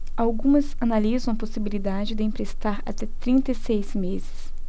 algumas analisam a possibilidade de emprestar até trinta e seis meses